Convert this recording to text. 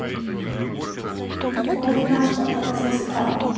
полуфинал спартак цска